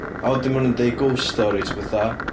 A wedyn maen nhw'n deud ghost stories a petha.